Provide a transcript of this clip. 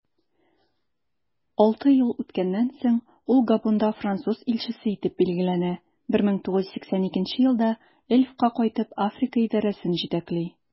Алты ел үткәннән соң, ул Габонда француз илчесе итеп билгеләнә, 1982 елда Elf'ка кайтып, Африка идарәсен җитәкли.